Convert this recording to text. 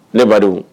Ne ba